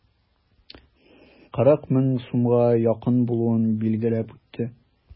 40 мең сумга якын булуын билгеләп үтте.